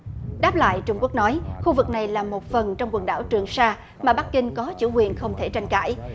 đáp lại trung quốc nói khu vực này là một phần trong quần đảo trường sa mà bắc kinh có chủ quyền không thể tranh cãi